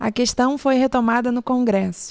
a questão foi retomada no congresso